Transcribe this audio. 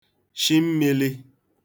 shi mmīlī